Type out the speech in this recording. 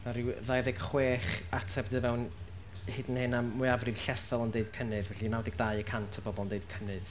Mae 'na ryw ddau ddeg chwech ateb 'di dod fewn, hyd yn hyn, a mwyafrif llethol yn deud cynnydd, felly naw deg dau y cant o bobl yn deud cynnydd.